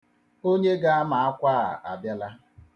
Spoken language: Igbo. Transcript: Onye ga-ama akwa a abịala.